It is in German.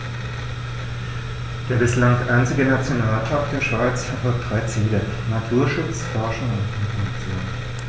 Der bislang einzige Nationalpark der Schweiz verfolgt drei Ziele: Naturschutz, Forschung und Information.